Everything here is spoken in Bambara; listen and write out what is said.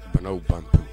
Banaaw ban